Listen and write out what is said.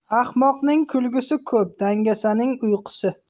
ahmoqning kulgusi ko'p dangasaning uyqusi